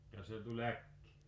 ja se tuli äkkiä